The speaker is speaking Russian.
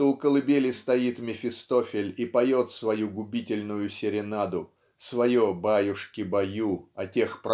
что у колыбели стоит Мефистофель и поет свою губительную серенаду свое баюшки-баю о тех